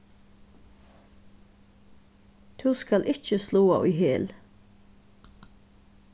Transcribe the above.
tú skal ikki sláa í hel